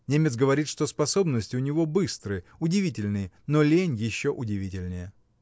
немец говорит, что способности у него быстрые, удивительные, но лень еще удивительнее.